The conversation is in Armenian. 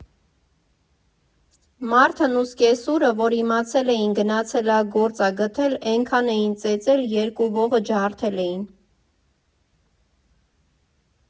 Մարդն ու սկսեսուրը որ իմացել էին՝ գնացել ա գործ ա գտել, էնքան էին ծեծել՝ երկու ողը ջարդել էին։